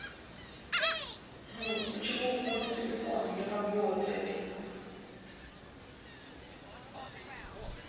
почему пульт телефона не работает